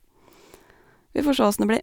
Vi får sjå åssen det blir.